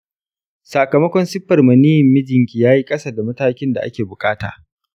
sakamakon siffar maniyyin mijinki yayi ƙasa da matakin da ake ɓukata